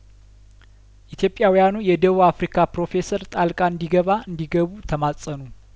ኢትዮጵያዊያኑ የደቡብ አፍሪካ ፕሮፌሰር ጣልቃ እንዲ ገባ እንዲ ገቡ ተማጸኑ